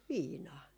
viinaa